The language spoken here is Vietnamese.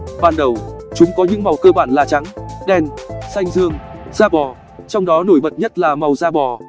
ban đầu chúng có những màu cơ bản là trắng đen xanh dương da bò trong đó nổi bật nhất là màu da bò